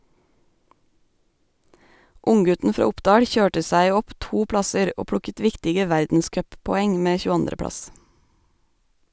Unggutten fra Oppdal kjørte seg opp to plasser og plukket viktige verdenscuppoeng med 22. plass.